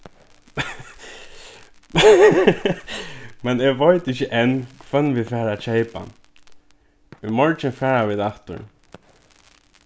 men eg veit ikki enn hvønn vit fara at keypa í morgin fara vit aftur